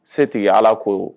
Setigi ala ko